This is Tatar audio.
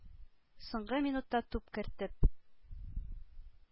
Соңгы минутта туп кертеп,